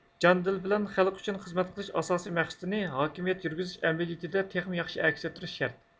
جان دىل بىلەن خەلق ئۈچۈن خىزمەت قىلىش ئاساسىي مەقسىتىنى ھاكىمىيەت يۈرگۈزۈش ئەمەلىيىتىدە تېخىمۇ ياخشى ئەكس ئەتتۈرۈش شەرت